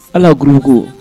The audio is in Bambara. Ala gko